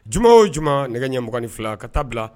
Juma o juma nɛgɛ ɲɛmɔgɔin fila ka taa bila